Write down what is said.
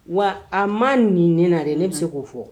Wa a ma nin ne nare ne bɛ se k'o fɔ